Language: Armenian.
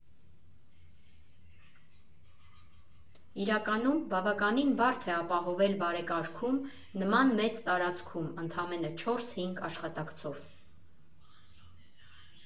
Իրականում բավականին բարդ է ապահովել բարեկարգում նման մեծ տարածքում ընդամենը չորս֊հինգ աշխատակցով։